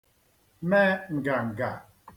me ǹgàngà